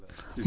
si